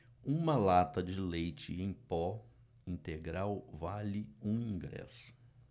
uma lata de leite em pó integral vale um ingresso